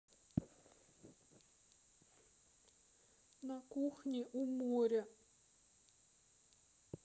на кухне у моря